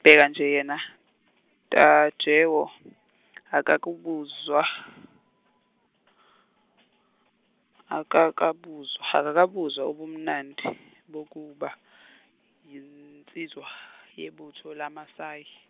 bheka nje yena, Tajewo akakabuzwa , akakabuzw- akakabuzwa ubumnandi bokuba yinsizwa yebutho lamaMasayi.